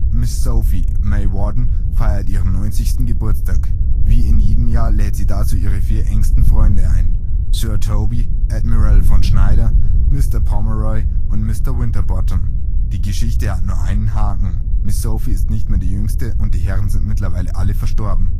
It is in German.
Miss Sophie (May Warden) feiert ihren 90. Geburtstag. Wie in jedem Jahr lädt sie dazu ihre vier engsten Freunde ein: Sir Toby, Admiral von Schneider, Mr. Pommeroy und Mr. Winterbottom. Die Geschichte hat nur einen Haken: Miss Sophie ist nicht mehr die Jüngste, und die Herren sind mittlerweile alle verstorben